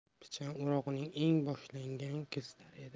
pichan o'rog'i endi boshlangan kezlar edi